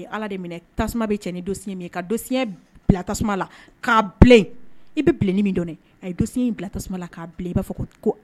A ye Ala de minɛ tasuma bi cɛ ni dosiɲɛ min ye ka dosiɲɛ bila tasuma la . Ka bilen , i bi bilen ni min dɔn dɛ. A ye dosiɲɛ in bila tasuma la ka bilen i ba fɔ ko